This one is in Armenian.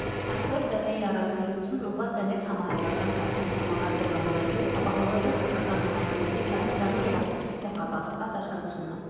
Այսօր ՀՀՀ֊ի առաքելությունն ուղղված է մեծ համահայկական ցանցային համակարգ ձևավորելու՝ ապահովելով հայկական համայնքների, Հայաստանի և Արցախի փոխկապակցված զարգացումը։